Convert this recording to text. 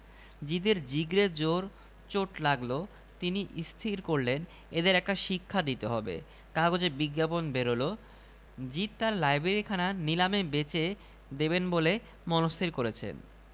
জিদের জিগরে জোর চোট লাগল তিনি স্থির করলেন এদের একটা শিক্ষা দিতে হবে কাগজে বিজ্ঞাপন বেরল জিদ তাঁর লাইব্রেরিখানা নিলামে বেচে দেবেন বলে মনস্থির করেছেন